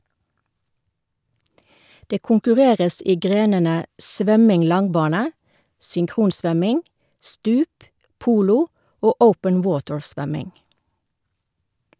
Det konkurreres i grenene svømming langbane, synkronsvømming, stup, polo og open water-svømming.